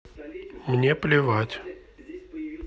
мне плевать